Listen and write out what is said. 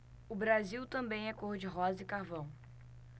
o brasil também é cor de rosa e carvão